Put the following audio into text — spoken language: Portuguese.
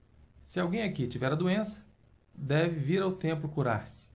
se alguém aqui tiver a doença deve vir ao templo curar-se